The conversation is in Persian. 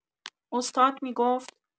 استاد می‌گفت.